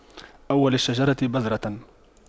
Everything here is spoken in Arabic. أول الشجرة بذرة